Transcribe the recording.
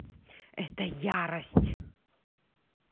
это ярость